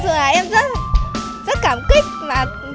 là em rất rất cảm kích và